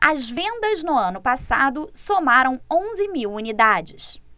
as vendas no ano passado somaram onze mil unidades